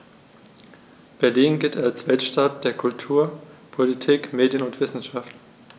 Berlin gilt als Weltstadt der Kultur, Politik, Medien und Wissenschaften.